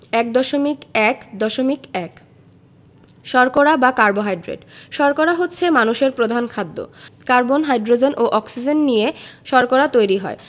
১.১.১ শর্করা বা কার্বোহাইড্রেট শর্করা হচ্ছে মানুষের প্রধান খাদ্য কার্বন হাইড্রোজেন এবং অক্সিজেন নিয়ে শর্করা তৈরি হয়